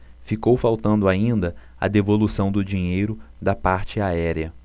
ficou faltando ainda a devolução do dinheiro da parte aérea